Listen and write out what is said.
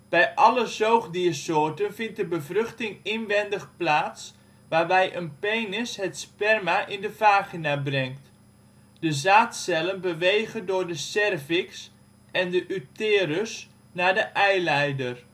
Bij alle zoogdiersoorten vindt de bevruchting inwendig plaats, waarbij een penis het sperma in de vagina brengt. De zaadcellen bewegen door de cervix en de uterus naar de eileider